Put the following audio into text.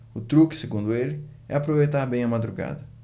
o truque segundo ele é aproveitar bem a madrugada